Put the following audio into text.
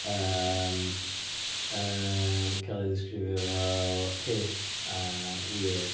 yym, yn cael ei ddisgrifio fel hyll a weird a fatha messed up.